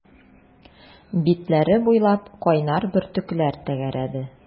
Битләре буйлап кайнар бөртекләр тәгәрәде.